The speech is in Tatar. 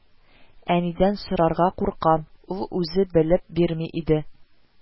Әнидән сорарга куркам, ул үзе белеп бирми иде